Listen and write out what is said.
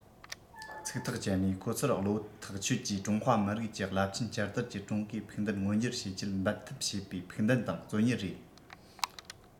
ཚིག ཐག བཅད ནས ཁོ ཚོར བློ ཐག ཆོད ཀྱིས ཀྲུང ཧྭ མི རིགས ཀྱི རླབས ཆེན བསྐྱར དར གྱི ཀྲུང གོའི ཕུགས འདུན མངོན འགྱུར ཆེད འབད འཐབ བྱེད པའི ཕུགས འདུན དང བརྩོན གཉེར རེད